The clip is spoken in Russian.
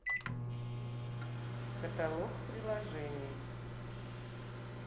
каталог приложений